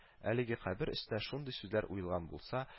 Әлеге кабер өстә шундый сүзләр уелган булса